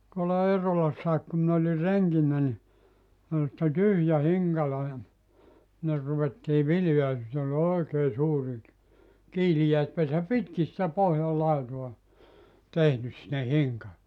tuolla Eerolassakin kun minä olin renkinä niin oli sitten tyhjä hinkalo ja sinne ruvettiin viljaa ja sitten oli oikein suuri - kiiliäispesä pitkin sitä pohjan laitaa tehnyt sinne hinkaloon